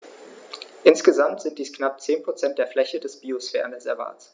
Insgesamt sind dies knapp 10 % der Fläche des Biosphärenreservates.